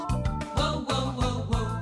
Wow wow ,wow wow